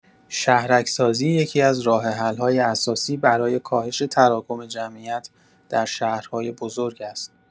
شهرک‌سازی یکی‌از راه‌حل‌های اساسی برای کاهش تراکم جمعیت در شهرهای بزرگ است.